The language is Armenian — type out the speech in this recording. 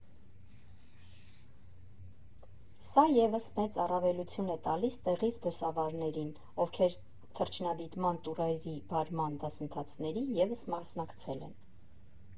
Սա ևս մեծ առավելություն է տալիս տեղի զբոսավարներին, ովքեր թռչնադիտման տուրերի վարման դասընթացների ևս մասնակցել են։